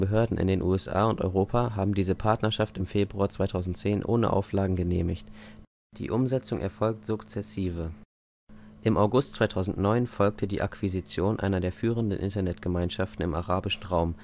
Behörden in den USA und Europa haben diese Partnerschaft im Februar 2010 ohne Auflagen genehmigt, die Umsetzung erfolgt sukzessive. Im August 2009 folgte die Akquisition einer der führenden Internet-Gemeinschaften im arabischen Raum